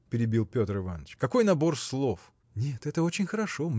– перебил Петр Иваныч, – какой набор слов! – Нет, это очень хорошо!